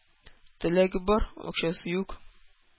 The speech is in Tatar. Теләге бар, акчасы юк.